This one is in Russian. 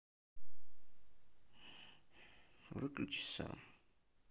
выключись сам